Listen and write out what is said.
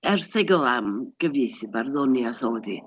Erthygl am gyfieithu barddoniaeth oedd hi.